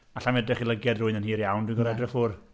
Alla i ddim edrych i lygaid rhywun yn hir iawn. Dwi'n gorfod edrych ffwrdd.